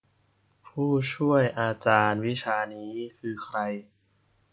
ผู้ช่วยอาจารย์วิชานี้คือใคร